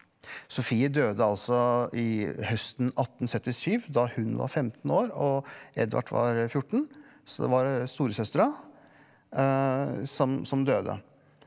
Sofie døde altså i høsten 1877 da hun var 15 år og Edvard var 14 så det var storesøstera som som døde.